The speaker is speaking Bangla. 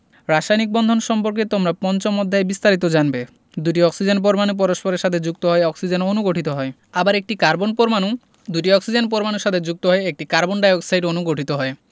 রাসায়নিক বন্ধন সম্পর্কে তোমরা পঞ্চম অধ্যায়ে বিস্তারিত জানবে দুটি অক্সিজেন পরমাণু পরস্পরের সাথে যুক্ত হয়ে অক্সিজেন অণু গঠিত হয় আবার একটি কার্বন পরমাণু দুটি অক্সিজেন পরমাণুর সাথে যুক্ত হয়ে একটি কার্বন ডাই অক্সাইড অণু গঠিত হয়